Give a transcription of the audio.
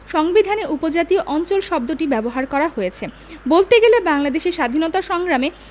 সংবিধানে উপজাতীয় অঞ্চল শব্দটি ব্যবহার করা হয়েছে বলতে গেলে বাংলাদেশের স্বাধীনতা সংগ্রামে